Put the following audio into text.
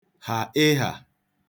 hà ịhà